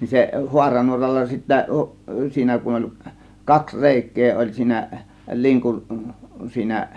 niin se haaranuoralla sitten siinä kun oli kaksi reikää oli siinä linkun siinä